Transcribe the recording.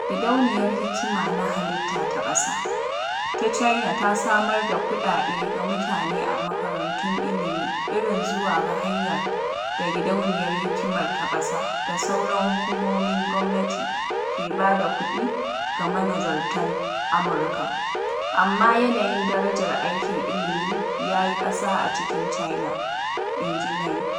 Gidauniyar Kimiyya na Halitta ta Ƙasa ta China ta samar da kuɗaɗe ga mutane a makarantun ilmi irin zuwa ga hanyar da Gidauniyar Kimiyyar ta Ƙasa da sauran hukumomin gwamnati ke ba da kuɗi ga manazartan Amurka, amma yanayin darajar aikin ilmi ya yi ƙasa a cikin China, inji Lee.